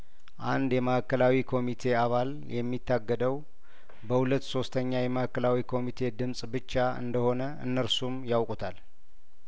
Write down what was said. አንድ የማእከላዊ ኮሚቴ አባል የሚታገደው በሁለት ሶስተኛ የማእከላዊ ኮሚቴ ድምጽ ብቻ እንደሆነ እነርሱም ያውቁታል